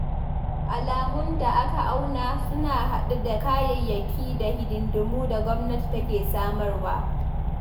Alamun da aka auna suna haɗa da kayayyaki da hidindimu da gwamnati take samarwa.